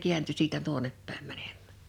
kääntyi siitä tuonne päin menemään